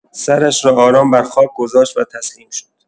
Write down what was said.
سرش را آرام بر خاک گذاشت و تسلیم شد.